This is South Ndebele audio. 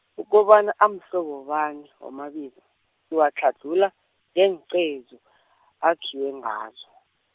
ukobana amhlobo bani, wamabizo, siwatlhadlhula ngeengcezu , akhiwe ngazo.